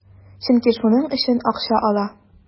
Чөнки шуның өчен акча ала.